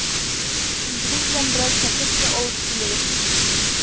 Үзегез белән берәр шәкерт тә алып килегез.